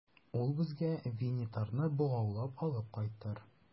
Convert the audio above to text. Ул безгә Винитарны богаулап алып кайтыр.